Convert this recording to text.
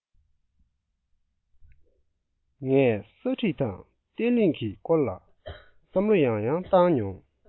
ངས སྲ མཁྲེགས དང བརྟན བརླིང གི སྐོར ལ བསམ བློ ཡང ཡང བཏང མྱོང